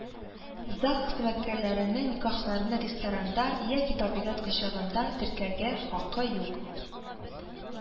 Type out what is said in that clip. ЗАГС хезмәткәрләренең никахларны ресторанда яки табигать кочагында теркәргә хакы юк